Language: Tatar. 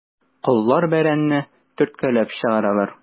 Коллар бәрәнне төрткәләп чыгаралар.